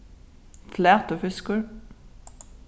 flatur fiskur